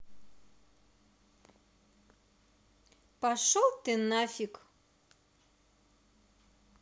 пошел ты нафиг